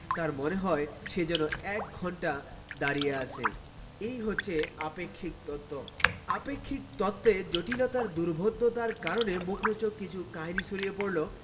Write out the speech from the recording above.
তার মনে হয় সে যেন এক মিনিট বসে আছে তার কোন গরম উনান এর ধারে এক মিনিট দাঁড় করিয়ে দেয়া হয় সে যেন এক ঘন্টা দাড়িয়ে আছে আপেক্ষিক তত্ত্ব আপেক্ষিক তত্ত্বের জটিলতার দুর্বোধ্যতার কারণে মুখরোচক কিছু কাহিনী ছড়িয়ে পড়ল